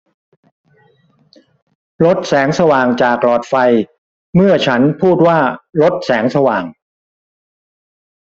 ลดแสงสว่างจากหลอดไฟเมื่อฉันพูดว่าลดแสงสว่าง